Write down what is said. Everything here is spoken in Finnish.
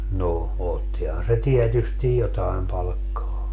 no ottihan se tietysti jotakin palkkaa